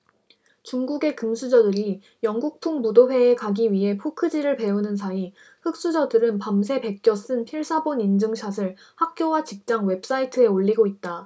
중국의 금수저들이 영국풍 무도회에 가기 위해 포크질을 배우는 사이 흑수저들은 밤새 베껴 쓴 필사본 인증샷을 학교와 직장 웹사이트에 올리고 있다